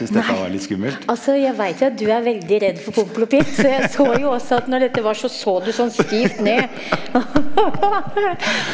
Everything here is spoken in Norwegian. nei, altså jeg veit jo at du er veldig redd for Pompel og Pilt så jeg så jo også at når dette var så så du sånn stivt ned .